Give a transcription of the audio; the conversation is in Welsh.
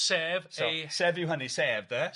Sef ei... Sef yw hynny, sef de?